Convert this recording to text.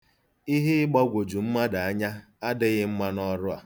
Ihe ịgbagwoju mmadụ anya adịghị mma n'ọrụ a.